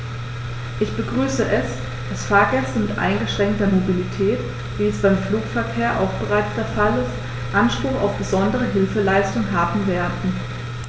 Ich begrüße es, dass Fahrgäste mit eingeschränkter Mobilität, wie es beim Flugverkehr auch bereits der Fall ist, Anspruch auf besondere Hilfeleistung haben werden.